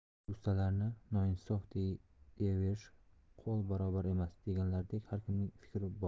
ko'pchilik ustalarni noinsof deydibesh qo'l barobar emas deganlaridek har kimning fikri bor